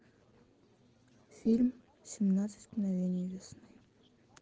фильм семнадцать мгновений весны